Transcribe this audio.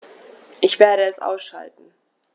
Ich werde es ausschalten